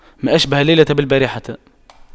ما أشبه الليلة بالبارحة